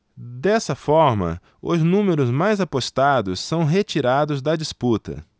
dessa forma os números mais apostados são retirados da disputa